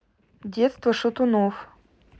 детство шатунов